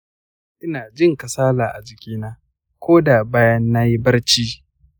ina jin kasala a jikina ko da bayan na yi barci.